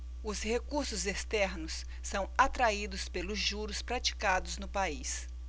os recursos externos são atraídos pelos juros praticados no país